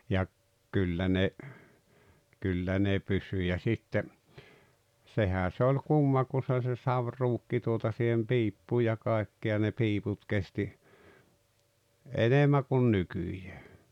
ja - kyllä ne kyllä ne pysyi ja sitten sehän se oli kumma kun se oli se saviruukki tuota siihen piippuun ja kaikki ja ne piiput kesti enemmän kuin nykyään